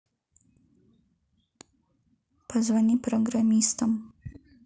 позвони программистам